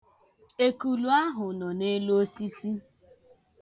Ekulu ahụ nọ n'elu osisi.